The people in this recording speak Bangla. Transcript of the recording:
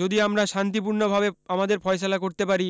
যদি আমরা শান্তিপূর্ণ ভাবে আমাদের ফয়সালা করতে পারি